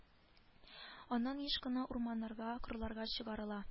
Аннан еш кына урманнарга кырларга чыгарыла